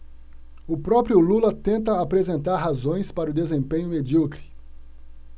o próprio lula tenta apresentar razões para o desempenho medíocre